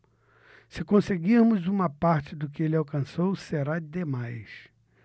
se conseguirmos uma parte do que ele alcançou será demais